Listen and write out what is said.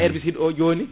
herbicide o joni